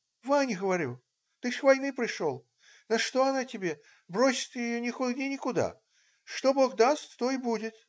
Ваня, говорю, ты с войны пришел, на что она тебе? брось ты ее, не ходи никуда. что Бог даст - то и будет.